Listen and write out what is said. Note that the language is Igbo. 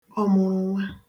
ọ̀mụ̀rụ̀nwa